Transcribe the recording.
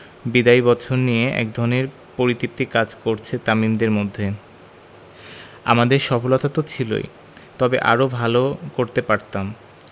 বিদায়ী বছর নিয়ে একধরনের পরিতৃপ্তি কাজ করছে তামিমের মধ্যে আমাদের সফলতা তো ছিলই তবে আরও ভালো করতে পারতাম